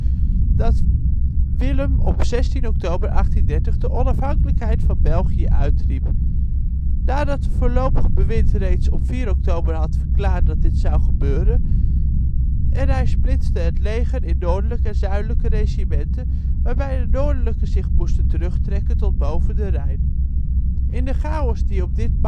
Willem op 16 oktober 1830 de onafhankelijkheid van België uitriep (nadat het Voorlopig Bewind reeds op 4 oktober had verklaard dat dit zou gebeuren), en hij splitste het leger in noordelijke en zuidelijke regimenten, waarbij de noordelijke zich moesten terug trekken tot boven de Rijn. In de chaos die op dit machtsvacuüm